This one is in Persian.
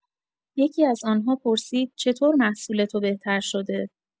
یکی‌از آن‌ها پرسید: «چطور محصول تو بهتر شده؟»